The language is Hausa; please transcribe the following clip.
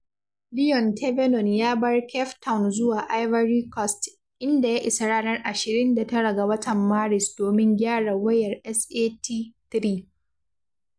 Leon Thevening ya bar Cape Town zuwa Ivory Coast, inda ya isa ranar 29 ga watan Maris domin gyara wayar SAT-3.